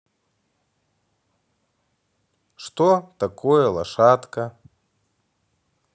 что такое лошадка